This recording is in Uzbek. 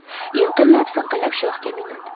inqillab sinqillab shoxga minadi